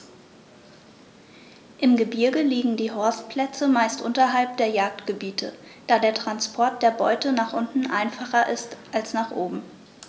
Im Gebirge liegen die Horstplätze meist unterhalb der Jagdgebiete, da der Transport der Beute nach unten einfacher ist als nach oben.